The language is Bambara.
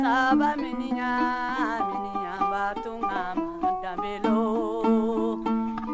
sabaminiyan miniyanba tunga ma danbe lɔn